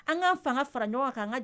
An ka fanga fara ɲɔgɔn kan'an ka